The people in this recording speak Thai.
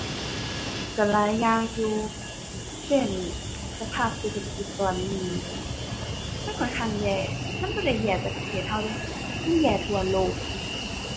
ก็หลายอย่างอยู่ เช่นสภาพเศรษฐกิจตอนนี้ มันค่อนข้างแย่ มันบ่ได้แย่แต่ประเทศก็เดะ มันแย่ทั่วโลก